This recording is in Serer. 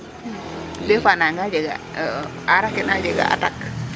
Dés fois nanga jega aaraa ke na jega attaque.